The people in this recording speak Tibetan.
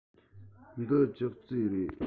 འདི ཅོག ཙེ རེད